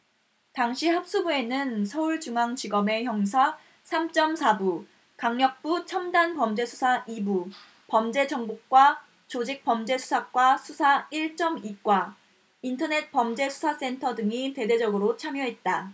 당시 합수부에는 서울중앙지검의 형사 삼 쩜 사 부 강력부 첨단범죄수사 이 부 범죄정보과 조직범죄수사과 수사 일 쩜 이 과 인터넷범죄수사센터 등이 대대적으로 참여했다